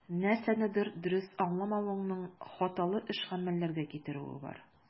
Нәрсәнедер дөрес аңламавыңның хаталы эш-гамәлләргә китерүе бар.